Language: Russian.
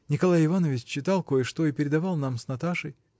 Николай Иванович читал кое-что и передавал нам с Наташей.